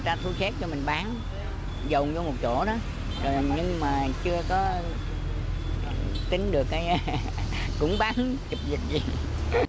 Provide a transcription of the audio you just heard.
ta thu xếp cho mình bán dồn vô một chỗ đó rồi nhưng mà chưa có tính được cũng bán rục rịch vậy